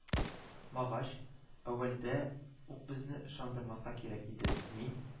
Магач, әүвәлдә үк безне ышандырмаска кирәк иде, мин